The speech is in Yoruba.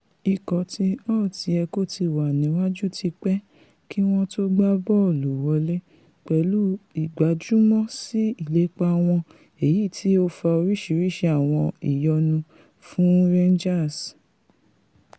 Ìkọ ti Holt yẹ kóti wà níwájú tipẹ́ kí wọ́n tó gbá bọ́ọ̀lù wọlé, pẹ̀lú ìgbájúmọ́ sí ìlépa wọn èyití ó fa oŕiṣiriṣi àwọn ìyọnu fún Rangers.